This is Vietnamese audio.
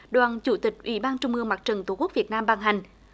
đoàn chủ tịch ủy ban trung ương mặt trận tổ quốc việt nam ban hành